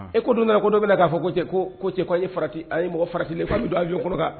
E ko dun nana ko bɛ k' fɔ ko cɛ cɛ' e a ye mɔgɔ faratilen fa don a kɔrɔ